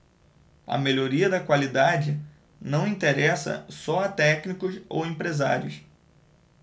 a melhoria da qualidade não interessa só a técnicos ou empresários